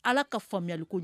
Ala ka faamuyali ko